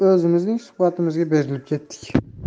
o'zimizning suhbatimizga berilib ketdik